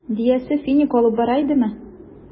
Дөясе финик алып бара идеме?